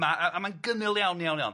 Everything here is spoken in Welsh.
Ma' a a ma'n gynnil iawn iawn iawn.